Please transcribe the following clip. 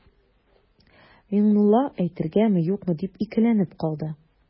Миңнулла әйтергәме-юкмы дип икеләнеп калды.